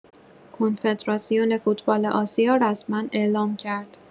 کنفدراسیون فوتبال آسیا رسما اعلام کرد